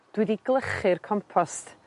Dwi 'di glychu'r compost